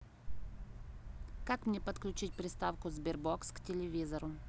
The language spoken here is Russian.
как мне подключить приставку sberbox к телевизору